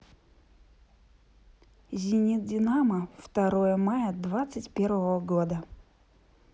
зенит динамо второе мая двадцать первого года